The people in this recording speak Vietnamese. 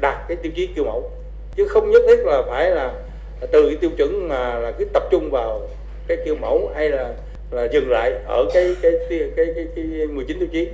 đạt các tiêu chí kiểu mẫu chứ không nhất thiết từ là phải là tự ý tiêu chuẩn là viết tập trung vào các kiểu mẫu hay là dừng lại ở cái cái cái cái mười chín tiêu chí